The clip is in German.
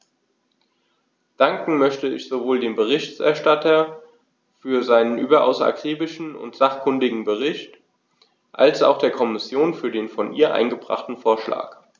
Danken möchte ich sowohl dem Berichterstatter für seinen überaus akribischen und sachkundigen Bericht als auch der Kommission für den von ihr eingebrachten Vorschlag.